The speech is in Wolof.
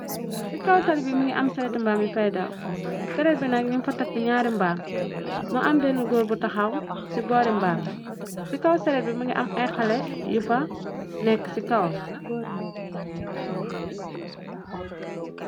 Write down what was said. Ci kaw tali bi minga am sareti mbaami faydaw saret bina yu fatakk ñaari mbaam mo am benn góor bu taxaw ci boori mbaami ci kaw saret bi mi nga am ay xale yu fa nekk ci kawam.